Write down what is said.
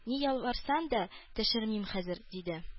Ни ялварсаң да төшермим хәзер! — диде.